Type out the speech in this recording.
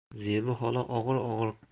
zebi xola og'ir